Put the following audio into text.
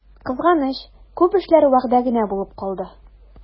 Кызганыч, күп эшләр вәгъдә генә булып калды.